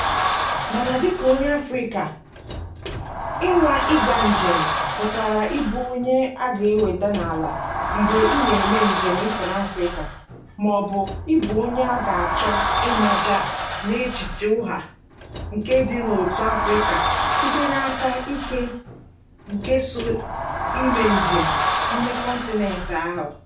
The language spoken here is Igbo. Mana, dịka onye Afrịka, ịnwa ịga njem pụtara ịbụ onye a ga-eweda n'ala mgbe ị na-eme njem ịpụ n'Afrịka — mọọbụ ịbụ onye a ga-achọ ịmaja n'echiche ụgha nke ịdị n'otu Afrịka site n'aka ike nke so ime njem n'ime kọntinent ahụ.